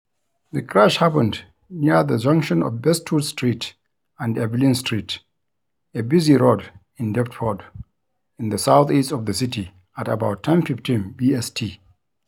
The crash happened near the junction of Bestwood Street and Evelyn Street, a busy road in Deptford, in the south-east of the city, at about 10:15 BST.